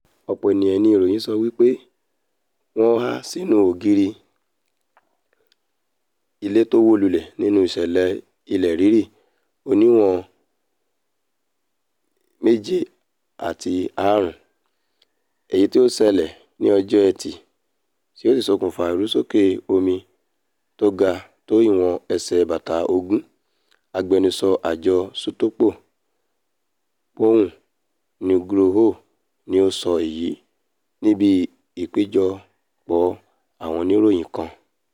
Ọ̀pọ̀ ènìyàn ní ìròyìn sọ wí pé wọ́n há sínú ògiri àwọn ilé tó wó lulẹ̀ nínú ìṣẹ̀lẹ̀ ilẹ̀ rírì oníwọ̀n 7.5 èyití ó ṣẹlẹ̀ ní ọjọ́ ẹtì tí ó sì ṣokùnfà ìrusókè omi tóga tó ìwọ̀n ẹsẹ̀ bàtà ogún, agbẹnusọ àjọ Sutopo Purwo Nugroho ni o sọ èyí níbi ìpéjọpọ̀ àwọn oníròyìn kan.